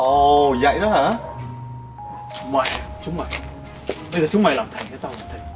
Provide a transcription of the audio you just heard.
ồ vậy đó hả mẹ chúng mày bây giờ chúng mày làm thầy